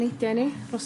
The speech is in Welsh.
i ni